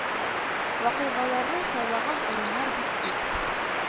Вакыйгаларны сайлаган урыннар бик күп